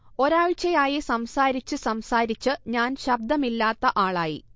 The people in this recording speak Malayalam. ഒരാഴ്ചയായി സംസാരിച്ച് സംസാരിച്ച് ഞാൻ ശബ്ദമില്ലാത്ത ആളായി